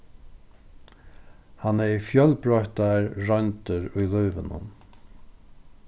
hann hevði fjølbroyttar royndir í lívinum